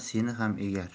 seni ham egar